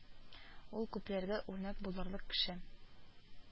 Ул күпләргә үрнәк булырлык кеше